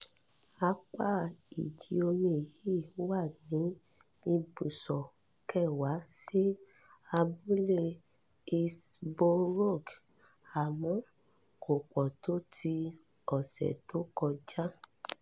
Àpá ìjì omi yìí wà ní ibùsọ̀ 10 sí abúlé Hillsborough, àmọ́ kò pọ̀ tó ti ọ̀sẹ̀ tó kọjá.